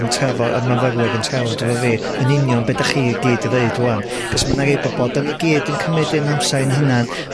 yn trafo- y myfyrwyr yn trafod efo fi, yn union be' 'dach chi i gyd y' ddeud ŵan. 'C'os ma' 'na rei bobol, 'dan ni gyd yn cymyd ein amser ein hunan